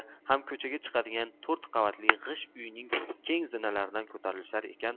ham ko'chaga chiqadigan to'rt qavatli g'isht uyning keng zinalaridan ko'tarilishar ekan